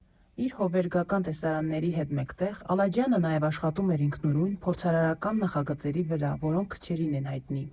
Իր հովվերգական տեսարանների հետ մեկտեղ, Ալաջյանը նաև աշխատում էր ինքնուրույն, փորձարարական նախագծերի վրա, որոնք քչերին են հայտնի։